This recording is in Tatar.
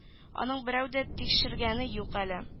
Аны берәү дә тикшергәне юк әле